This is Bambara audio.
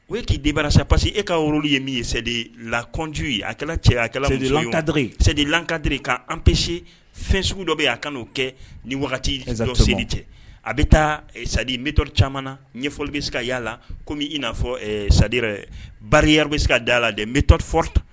O k'i de barara sa pa que e ka woro ye min ye sa lakɔnj ye a cɛ a lakantere k an pse fɛn sugu dɔ bɛ' kan'o kɛ ni wagati seli cɛ a bɛ taa sabto caman na ɲɛfɔli bɛ se ka yala la komi i n'a fɔ sa ba yɛrɛ bɛ se ka da la dɛ npt fɔra